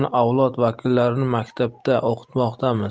raqamli avlod vakillarini maktabda o'qitmoqdamiz